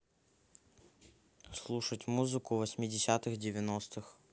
слушать музыку восьмидесятых девяностых